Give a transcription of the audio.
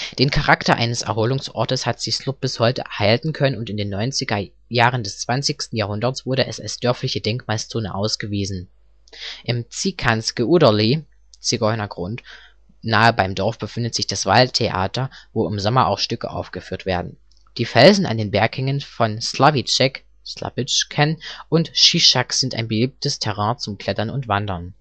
Den Charakter eines Erholungsortes hat sich Sloup bis heute erhalten können und in den 90er Jahren des 20. Jahrhunderts wurde es als dörfliche Denkmalszone ausgewiesen. Im Cikánské údoli (Zigeunergrund) nahe beim Dorf befindet sich das Waldtheater, wo im Sommer auch Stücke aufgeführt werden. Die Felsen an den Berghängen von Slavíček (Slabitschken) und Šišák sind ein beliebtes Terrain zum Klettern und Wandern